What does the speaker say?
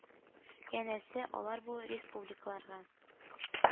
Янәсе, алар бу республикаларга